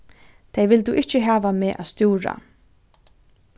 tey vildu ikki hava meg at stúra